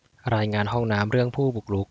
รายงานห้องน้ำเรื่องผู้บุกรุก